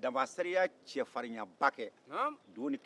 dafasɛri ye cɛfarinyaba kɛ do ni kiri jamana kan